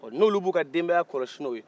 n'olu bɛ o ka denbaya kɔlɔsi n'o ye